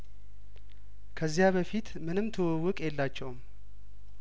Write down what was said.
ከዚያ በፊት ምንም ትውውቅ የላቸውም